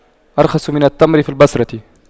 أرخص من التمر في البصرة